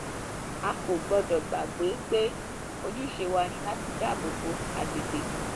A kò gbọdọ̀ gbàgbé pé ojúṣe wa ni láti dáàbò bo agbègbè yìí.